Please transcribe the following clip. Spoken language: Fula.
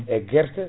e guerte